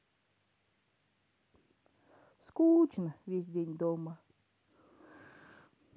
скучно весь день дома